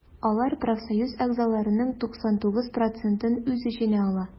Алар профсоюз әгъзаларының 99 процентын үз эченә ала.